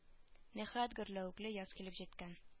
Ниһаять гөрләвекле яз килеп җиткән